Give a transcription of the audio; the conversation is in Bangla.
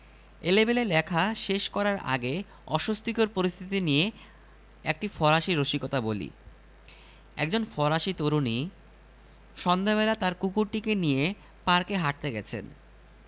সেখানে দেখা হল এক বুড়োর সঙ্গে বুড়োটিও একটি কুকুর নিয়ে পার্কে এসেছে না এই রসিকতাটি বলা যাবে না